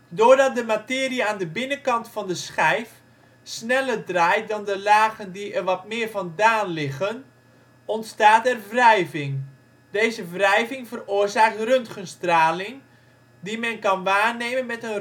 Doordat de materie aan de binnenkant van de schijf sneller draait dan de lagen die er wat meer vandaan liggen, ontstaat er wrijving. Deze wrijving veroorzaakt röntgenstraling, die men kan waarnemen met een röntgentelescoop